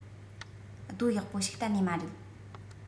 རྡོ ཡག པོ ཞིག གཏན ནས མ རེད